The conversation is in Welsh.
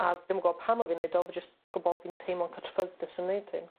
A dim yn gwbo pam o' fi neud fi jyst gwbo fi'n teimlo'n cyffyrddus yn neud hyn.